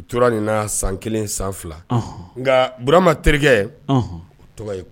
U tora nin naa san 1 san 2 ɔnhɔn nka Burama terikɛ ɔnhɔn o tɔgɔ ye